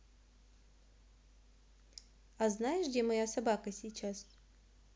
а знаешь где моя собака сейчас